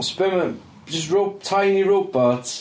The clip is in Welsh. So be ma'... jyst rob- tiny robot.